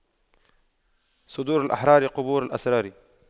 صدور الأحرار قبور الأسرار